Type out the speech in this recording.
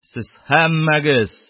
Сез һәммәгез